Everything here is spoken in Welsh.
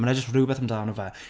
Ma' 'na jyst rywbeth amdano fe,